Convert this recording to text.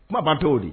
Kumabatowu di